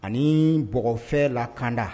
Ani bɔgɔfɛ lakanda